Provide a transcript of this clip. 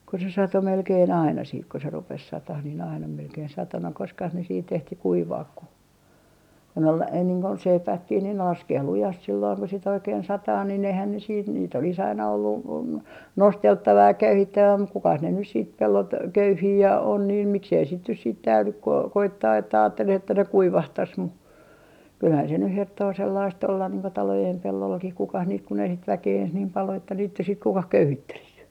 kun se satoi melkein aina sitten kun rupesi satamaan niin aina melkein satoi no koskas ne sitten ehti kuivaa kun kun oli ei niin kun seipäätkin niin ne laskee lujasti silloin kun sitten oikein sataa niin eihän ne sitten niitä olisi aina ollut nosteltava ja köyhittävä mutta kukas ne nyt sitten pellot köyhii ja on niin miksi ei sitten nyt sitten täydy kun - koittaa että ajattele että ne kuivahtaisi mutta kyllähän se nyt herttoo sellaista olla niin kuin talojen pellollakin kukas niitä kun ei sitä väkeä ei niin paljon ole että riittäisi sitten kukaan köyhittelisi